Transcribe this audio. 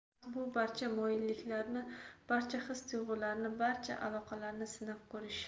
vaqt bu barcha moyilliklarni barcha his tuyg'ularni barcha aloqalarni sinab ko'rish